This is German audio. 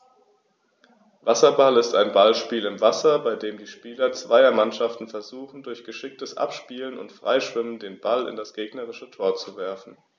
Wasserball ist ein Ballspiel im Wasser, bei dem die Spieler zweier Mannschaften versuchen, durch geschicktes Abspielen und Freischwimmen den Ball in das gegnerische Tor zu werfen.